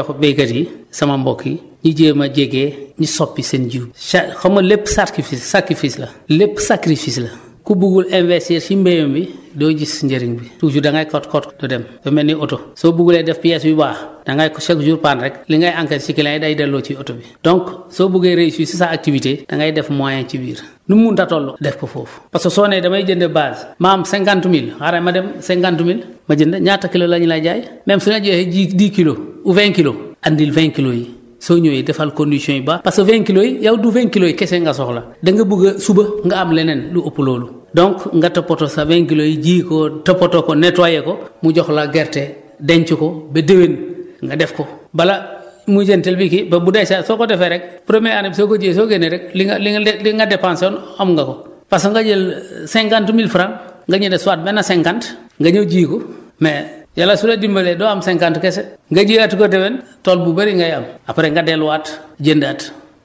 ok man recommendation yu ma war a jox béykat yi sama mbokk yi ñu jéem a jege ñu soppi seen jiw gi sa xam nga lépp sacrifice sacrifice la lépp sacrifice la ku bëggul investir si mbéyam wi doo gis njëriñ li toujours da ngay kot-kot du dem lu mel ni oto soo bëggulee def pièces yu baax da ngay chaque jour panne rek li ngay encaissé si clients yi day delloo ci oto bi donc soo bëggee réussir si sa activité da ngay def moyen ci biir nu mu mënta toll def ko foofu parce soo nee damay jënd base ma am 50000 xaaral ma dem 50000 ma jënd ñaata kilos la ñu lay jaay même su la joxee 10 kilos ou 20 kilos andil 20 kilos yi soo ñëwee defal conditions yu baax parce que 20 kilos yi yow du 20 kilos yi kese nga soxla da nga bëgg a suba nga am leneen lu ëpp loolu donc nga toppatoo sa 20 kilos yi ji ko toppatoo ko nettoyé ko mu jox la gerte denc ko ba déwen nga def ko bala mujjantel bi kii ba bu dee saa soo ko defee rek première année bi soo ko jiyee soo génnee rek li nga li nga li nga depensé am nga koparce que nga jël 50000F nga jënd soit benn 50 nga ñëw ji ko mais yàlla su la dimbalee doo am 50 kese nga jiyaat ko déwen tool bu bëri ngay am après nga delluwaat jëndaat